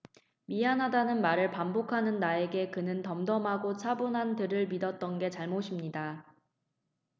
미안하다는 말을 반복하는 나에게 그는 덤덤하고 차분한 들을 믿었던 게 잘못입니다